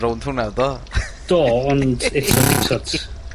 rownd hwnna yndo? Do ond eto t'od?